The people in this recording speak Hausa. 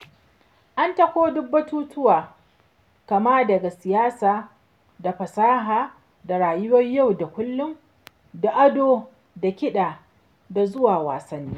An taɓo duk batutuwa kama daga siyasa da fasaha da rayuwar yau da kullum da ado da kiɗa zuwa wasanni.